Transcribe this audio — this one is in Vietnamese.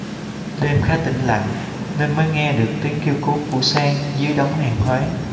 đêm khá tĩnh lặng nên mới nghe được tiếng kêu cứu của sang dưới đống hàng hóa